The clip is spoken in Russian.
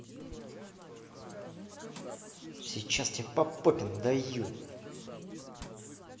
сейчас тебе по попе надаю